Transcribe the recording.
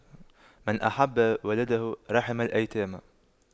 من أحب ولده رحم الأيتام